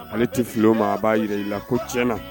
Ale tɛ fili o ma, a b'a jira i la ko tiɲɛna